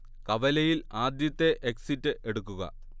കവലയിൽ ആദ്യത്തെ എക്സിറ്റ് എടുക്കുക